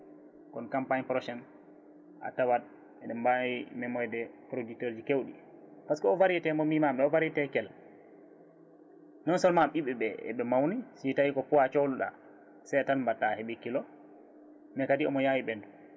kono campagne prochaine a tawat ene mbawi memoyde producteur uji kewɗi par ce que o variété mo mbimami ɗo o variété keele non seulement ɓiɓɓe ɓe eɓe mawni si tawi ko poids sohlunoɗa seeɗa tan mbatta a heeɓi kilo mais kadi omo yaawi ɓendude